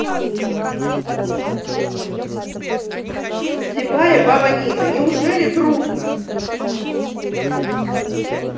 слепая баба нина неужели трудно